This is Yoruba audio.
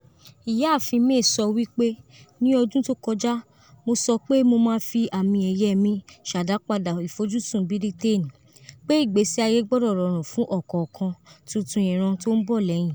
Ìyáàfin May sọ wípé: "Ní ọdún tó kọjá mo sọ pé mo má fí àmì ẹ̀yẹ mi ṣàdápadà ìfojúsùn Bírítéènì - pé ìgbésí ayé gbọ́dọ̀ rọrùn fún ọ̀kọ̀ọ̀kan túntun ìran tó ń bọ̀ lẹ́yìn.